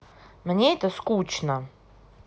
мне это скучно